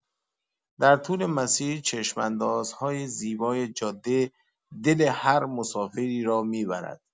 در طول مسیر، چشم‌اندازهای زیبای جاده، دل هر مسافری را می‌برد.